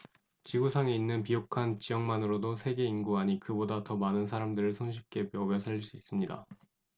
지구 상에 있는 비옥한 지역만으로도 세계 인구 아니 그보다 더 많은 사람들을 손쉽게 먹여 살릴 수 있습니다